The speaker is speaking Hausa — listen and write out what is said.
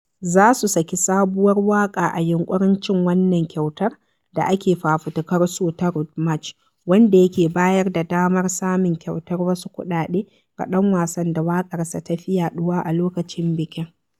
Za su saki sabuwar waƙa a yunƙurin cin wannan kyautar da ake fafutukar so ta Road March wanda yake bayar da damar samun kyautar wasu kuɗaɗe ga ɗan wasan da waƙarsa ta fi yaɗuwa a lokacin bikin.